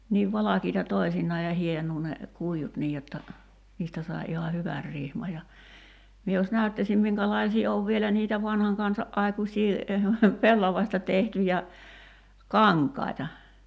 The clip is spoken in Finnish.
niin valkeita toisinaan ja hienoa ne kuidut niin jotta niistä sai ihan hyvän rihman ja minä jos näyttäisin minkälaisia on vielä niitä vanhan kansa aikuisia pellavasta tehtyjä kankaita